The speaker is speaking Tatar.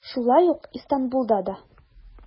Шулай ук Истанбулда да.